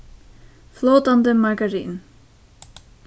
flótandi margarin